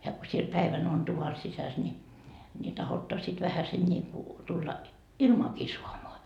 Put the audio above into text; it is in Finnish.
ja kun siellä päivän on tuvan sisässä niin niin tahdotte sitten vähäsen niin kuin tulla ilmaakin saamaan